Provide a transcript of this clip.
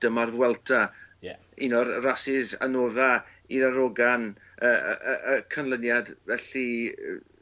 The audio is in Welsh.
dyma'r Vuelta. Ie. Un o'r rasys anodda i ddarogan yy yy yy y canlyniad felly r-...